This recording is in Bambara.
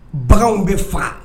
Baganw bɛ faga